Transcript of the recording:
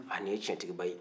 aa nin ye tiɲɛtigiba ye